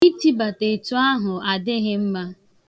Itibata etu ahụ adịghị mma.